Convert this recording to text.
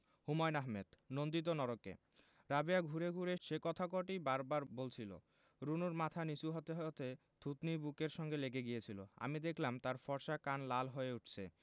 হুমায়ুন আহমেদ নন্দিত নরকে রাবেয়া ঘুরে ঘুরে সেই কথা কটিই বার বার বলছিলো রুনুর মাথা নীচু হতে হতে থুতনি বুকের সঙ্গে লেগে গিয়েছিলো আমি দেখলাম তার ফর্সা কান লাল হয়ে উঠছে